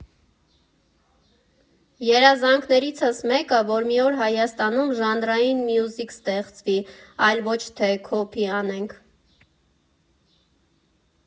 Երազանքներիցս մեկը, որ մի օր Հայաստանում ժանրային մյուզիք ստեղծվի, այլ ոչ թե քոփի անենք։